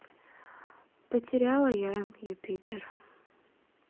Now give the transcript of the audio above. потеряла я юпитер